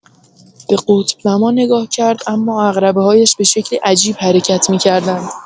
به قطب‌نما نگاه کرد، اما عقربه‌هایش به شکلی عجیب حرکت می‌کردند.